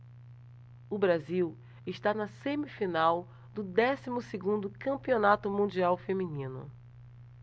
o brasil está na semifinal do décimo segundo campeonato mundial feminino